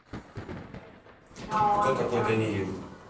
кто такой даниил